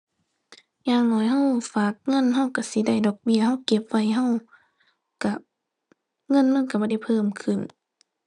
อย่างน้อยเราฝากเงินเราสิได้ดอกเบี้ย เราเก็บไว้เราเราเงินมันเราบ่ได้เพิ่มขึ้น